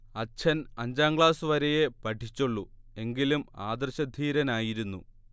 അച്ഛൻ അഞ്ചാം ക്ലാസുവരെയെ പഠിച്ചുള്ളൂ എങ്കിലും ആദർശധീരനായിരുന്നു